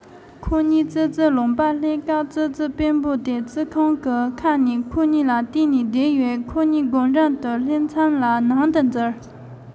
ཁོ གཉིས ཙི ཙིས ལུང པར སླེབས སྐབས ཙི ཙིའི དཔོན པོ དེ ཙི ཁུང གི ཁ ནས ཁོ གཉིས ལ བལྟས ནས བསྡད ཡོད ཁོ གཉིས སྒོ འགྲམ དུ སླེབས མཚམས ལ ནང དུ འཛུལ